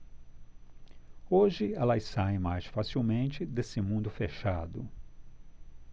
hoje elas saem mais facilmente desse mundo fechado